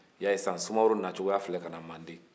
i y'a ye sisan sumaworo na cogoya filɛ manden